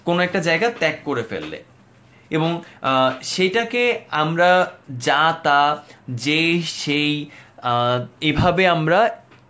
কোন একটা জায়গা ত্যাগ করে ফেললে এবং সেটাকে আমরা যা তা যেই সেই এভাবে আমরা